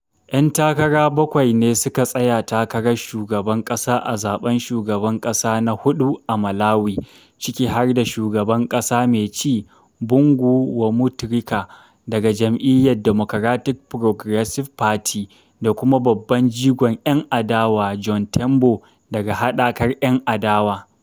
Yan takara bakwa ne suka tsaya takarar shugaban ƙasa a zaɓen shugaban ƙasa na huɗu a Malawi, ciki har da shugaban ƙasa mai ci, Bingu wa Mutharika, daga jam’iyyar Democratic Progressive Party, da kuma babban jigon 'yan adawa, John Tembo, daga haɗakar 'yan adawa.